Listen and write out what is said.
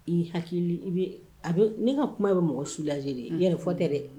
I hakili i bɛ ni n ka kuma bɛ mɔgɔ su la lajɛlene i yɛrɛ fɔ tɛ dɛ